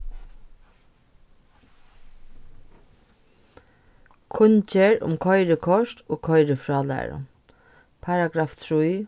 kunngerð um koyrikort og koyrifrálæru paragraff trý